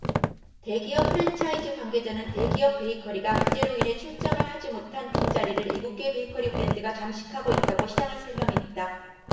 대기업 프랜차이즈 관계자는 대기업 베이커리가 규제로 인해 출점을 하지 못한 빈 자리를 외국계 베이커리 브랜드가 잠식하고 있다고 시장을 설명했다